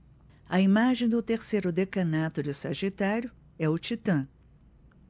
a imagem do terceiro decanato de sagitário é o titã